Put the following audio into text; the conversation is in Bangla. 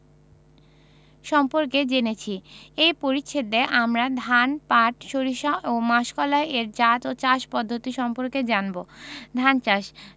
সম্পর্কে জেনেছি এ পরিচ্ছেদে আমরা ধান পাট সরিষা ও মাসকলাই এর জাত ও চাষ পদ্ধতি সম্পর্কে জানব ধান চাষ